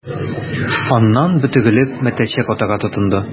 Аннан, бөтерелеп, мәтәлчек атарга тотынды...